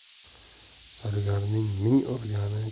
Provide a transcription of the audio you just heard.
zargarning ming urgani